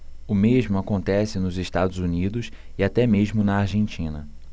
o mesmo acontece nos estados unidos e até mesmo na argentina